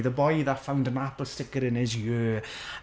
The boy that found an apple sticker in his ear.